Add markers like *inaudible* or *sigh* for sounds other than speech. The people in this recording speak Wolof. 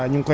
*hesitation* *hesitation*